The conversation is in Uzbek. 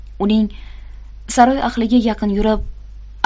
uning saroy ahliga yaqin yurib